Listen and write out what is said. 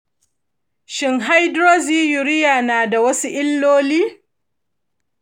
shin hydroxyurea na da wasu illoli?